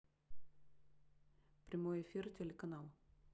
прямой эфир телеканал